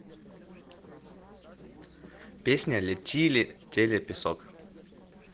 песня летели теле песок